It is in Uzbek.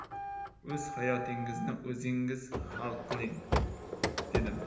o'z hayotingizni o'zingiz hal qiling dedim